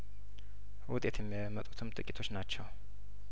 ውጤት የሚያመጡትም ጥቂት ናቸው